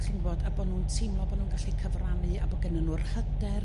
d'chi'n gw'bod a bo' nhw'n t'imlo bo' nhw'n gallu cyfrannu a bo' gynnyn nhw'r hyder